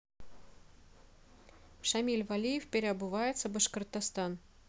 шамиль валиев переобувается башкортостан